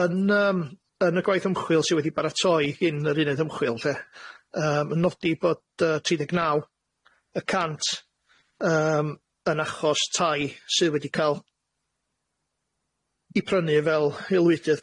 Yn yym yn y gwaith ymchwil sy wedi baratoi gin yr uned ymchwil lle yym yn nodi bod yy tri deg naw y cant yym yn achos tai sy wedi ca'l i prynu fel aelwydydd